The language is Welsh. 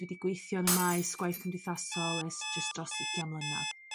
dwi 'di gweithio yn y maes gwaith cymdeithasol ers jys dros ucian mlynadd.